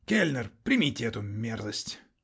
Кельнер, примите эту мерзость!